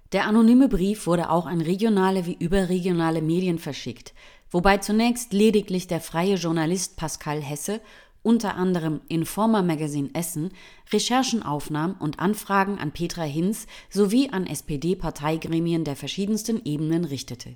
Der anonyme Brief wurde auch an regionale wie überregionale Medien verschickt, wobei zunächst lediglich der freie Journalist Pascal Hesse (u. a. Informer Magazine, Essen) Recherchen aufnahm und Anfragen an Petra Hinz sowie an SPD-Parteigremien der verschiedensten Ebenen richtete